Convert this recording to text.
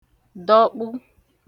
dọkpụ